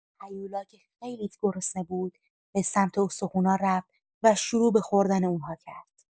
هیولا که خیلی گرسنه بود، به سمت استخوان‌ها رفت و شروع به خوردن اون‌ها کرد.